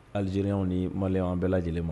Alize ni mali an bɛɛ lajɛlen ma